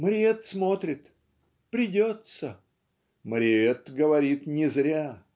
Мариэтт смотрит: "Придется". Мариэтт говорит не зря.